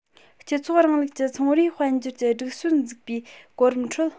སྤྱི ཚོགས རིང ལུགས ཀྱི ཚོང རའི དཔལ འབྱོར གྱི སྒྲིག སྲོལ འཛུགས པའི གོ རིམ ཁྲོད